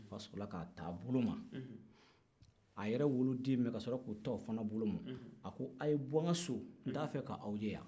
fa sɔrɔ la k'a t'a boloma a yɛrɛ woloden min bɛ yen ka sɔrɔ k'o fana t'a boloma a ko a ye bɔ n ka so n t'a fɛ kaw ye yan